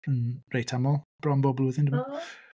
Yn reit aml bron bob blwyddyn... o. ...dwi'n meddwl.